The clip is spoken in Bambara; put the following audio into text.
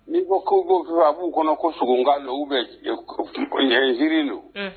N'i ko ko baw fɛ a b'u kɔnɔ ko sogokan don u bɛ ɲɛ jiriiri don